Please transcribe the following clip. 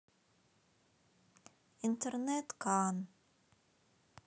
интернет кан